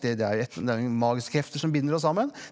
det det er et det er magiske krefter som binder oss sammen.